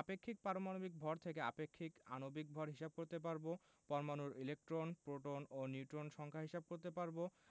আপেক্ষিক পারমাণবিক ভর থেকে আপেক্ষিক আণবিক ভর হিসাব করতে পারব পরমাণুর ইলেকট্রন প্রোটন ও নিউট্রন সংখ্যা হিসাব করতে পারব